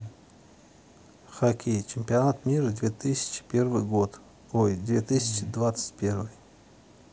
хоккей чемпионат мира две тысячи первый год ой две тысячи двадцать первый